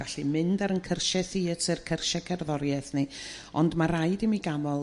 gallu mynd ar 'yn cyrsie theatr cyrsie cerddori'eth ni. Ond ma' raid i mi ga'mol